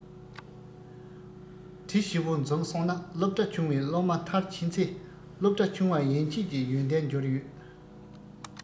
དེ བཞི བོ འཛོམས སོང ན སློབ གྲྭ ཆུང བའི སློབ མ མཐར ཕྱིན ཚེ སློབ གྲྭ ཆུང བ ཡན ཆད ཀྱི ཡོན ཏན འབྱོར ཡོད